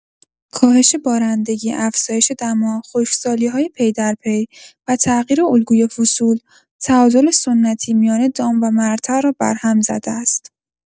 کاهش بارندگی، افزایش دما، خشکسالی‌های پی‌درپی و تغییر الگوی فصول، تعادل سنتی میان دام و مرتع را بر هم زده است.